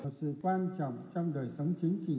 thực sự quan trọng trong đời sống chính trị